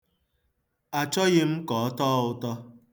Achọghị m ka ọ tọọ ụtọ.